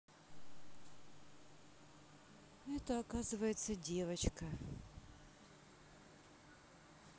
это оказывается девочка